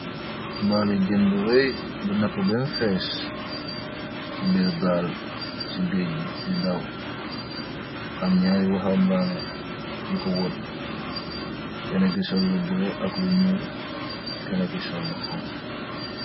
Mbali jeen bu rai bu napa beem fess mung si birr gaal si gegee bi di daw aam naari wahabaneh yu ko worr kena gi sol lu bulo ak lu nuul kena ki sol lu xonxa.